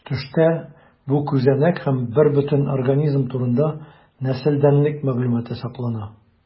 Төштә бу күзәнәк һәм бербөтен организм турында нәселдәнлек мәгълүматы саклана.